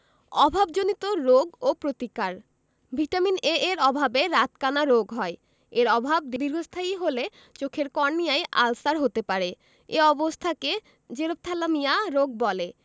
অভাবজনিত রোগ ও প্রতিকার ভিটামিন A এর অভাবে রাতকানা রোগ হয় এর অভাব দীর্ঘস্থায়ী হলে চোখের কর্নিয়ায় আলসার হতে পারে এ অবস্থাকে জেরপ্থ্যালমিয়া রোগ বলে